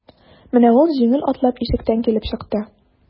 Менә ул җиңел атлап ишектән килеп чыкты.